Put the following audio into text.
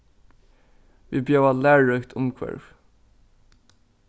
vit bjóða læruríkt umhvørvi